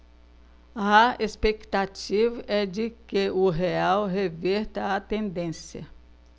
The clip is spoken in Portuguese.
a expectativa é de que o real reverta a tendência